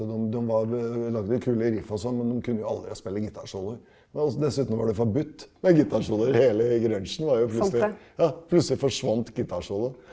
dem dem var lagde kule riff og sånn men dem kunne jo aldri ha spilt gitarsoloer, og dessuten var det forbudt med gitarsoler hele grønsjen var jo plutselig ja plutselig forsvant gitarsolen.